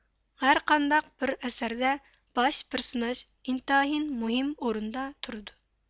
ھەرقانداق بىر ئەسەردە باش پېرسوناژ ئىنتايىن مۇھىم ئورۇندا تۇرىدۇ